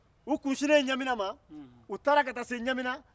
u kunsinnen ɲamina ma u taara ka taa se ɲamina